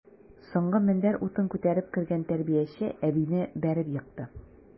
Соңгы мендәр утын күтәреп кергән тәрбияче әбине бәреп екты.